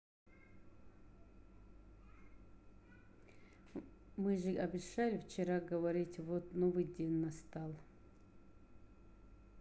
мы же обещали вчера говорить вот новый день настал